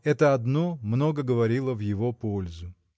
Это одно много говорило в его пользу.